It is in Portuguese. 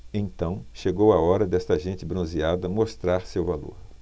então chegou a hora desta gente bronzeada mostrar seu valor